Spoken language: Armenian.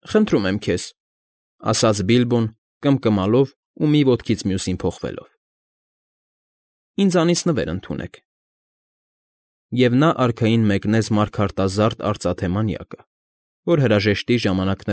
Խնդրում եմ քեզ,֊ ասաց Բիլբոն, կմկմալով ու մի ոտքից մյուսին փոխվելով,֊ ինձանից նվեր ընդունեք…֊ Եվ նա արքային մեկնեց մարգարտազարդ արծաթե մանյակը, որ հրաժեշտի ժամանակ։